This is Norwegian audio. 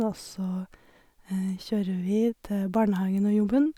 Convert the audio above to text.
Og så kjører vi til barnehagen og jobben.